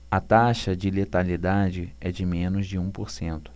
a taxa de letalidade é de menos de um por cento